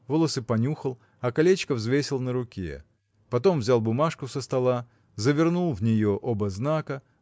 волосы понюхал, а колечко взвесил на руке. Потом взял бумажку со стола завернул в нее оба знака